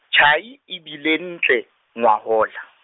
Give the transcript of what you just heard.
tjhai, e bile ntle ngwahola.